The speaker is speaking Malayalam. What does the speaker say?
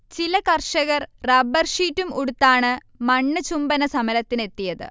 ചില കർഷകർ റബ്ബർഷീറ്റും ഉടുത്താണ് മണ്ണ് ചുംബന സമരത്തിനെത്തിയത്